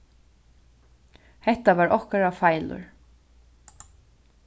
hetta var okkara feilur